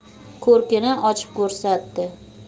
ko'rkini ochib ko'rsatdi